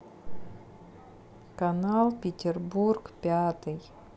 канал петербург пятый